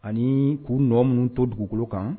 Ani k'u nɔ minnu to dugukolo kan